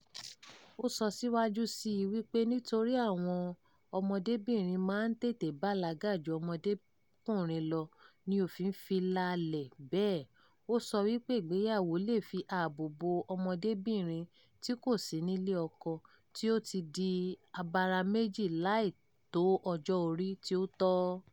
Ó sọ síwájú sí i wípé nítorí àwọn ọmọdébìnrin máa ń tètè bàlágà ju ọmọdékùnrin lọ ni òfin fi la àlàálẹ̀ bẹ́ẹ̀. Ó sọ wípé ìgbéyàwó lè fi ààbò bo ọmọdébìnrin tí kò sí nílé ọkọ tí ó ti di abaraméjì láì tó ọjọ́ orí tí ó tọ́.